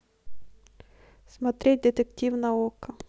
смотреть детектив на окко